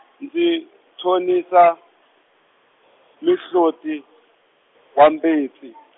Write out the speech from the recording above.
ndzi tshonisa, mihloti, wa mbitsi.